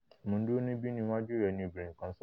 Mo ń dúró níbí ní ìwájú rẹ̀,'' ni obìnrin kan sọ.